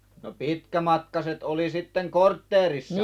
no pitkämatkaiset oli sitten kortteerissa